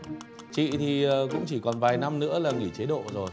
chị thì cũng chỉ còn vài năm nữa là nghỉ chế độ rồi